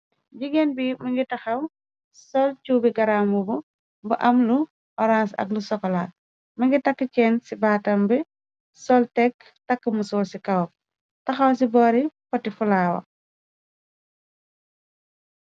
Jigéen bi më ngi taxaw sol chuubi garaamu bu bu am lu horange ak lu sokolal më ngi takk chenn ci baatam bi sol tekk takku mu soor ci kawam taxaw ci boori potifulaawa.